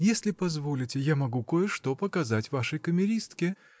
Если позволите, я могу кое-что показать вашей камеристке.